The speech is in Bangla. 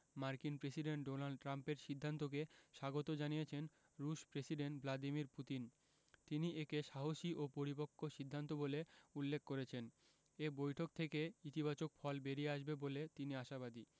মার্কিন প্রেসিডেন্ট ডোনাল্ড ট্রাম্পের সিদ্ধান্তকে স্বাগত জানিয়েছেন রুশ প্রেসিডেন্ট ভ্লাদিমির পুতিন তিনি একে সাহসী ও পরিপক্ব সিদ্ধান্ত বলে উল্লেখ করেছেন এ বৈঠক থেকে ইতিবাচক ফল বেরিয়ে আসবে বলে তিনি আশাবাদী